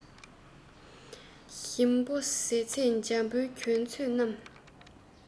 ཞིམ པོའི ཟ ཚོད འཇམ པོའི གྱོན ཚོད རྣམས